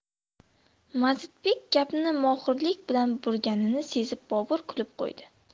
mazidbek gapni mohirlik bilan burganini sezib bobur kulib qo'ydi